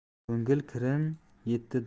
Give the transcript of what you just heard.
ko'ngil kirin yetti